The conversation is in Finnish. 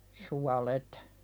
suolet